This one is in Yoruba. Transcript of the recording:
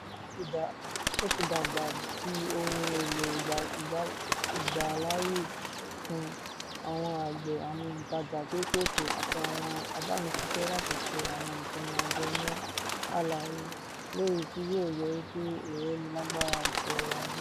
Ó ti dàgbà di ohun èlò ìgbàláàyè fún, àwọn àgbẹ̀, àwọn òǹtajà kéékèèké àti àwọn abániṣiṣẹ́ láti ṣe àwọn ìpinnu ajẹmọ́ - àlàyé, lèyìí tí yóò yọrí sí ìrónilágbára ètò ọrọ̀ ajé.